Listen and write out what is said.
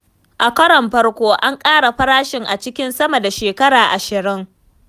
A karon farko an ƙara farashin a cikin sama da shekara ashirin.